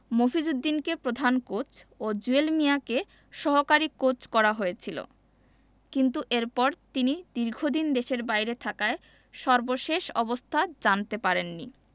মফিজ উদ্দিনকে প্রধান কোচ ও জুয়েল মিয়াকে সহকারী কোচ করা হয়েছিল কিন্তু এরপর তিনি দীর্ঘদিন দেশের বাইরে থাকায় সর্বশেষ অবস্থা জানতে পারেননি